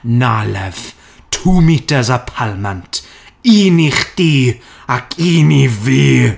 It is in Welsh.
Na, love two meters of palmant, un i chdi, ac un i fi!